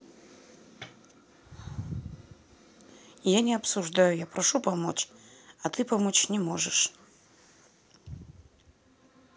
я не обсуждаю я прошу помочь а ты помочь не можешь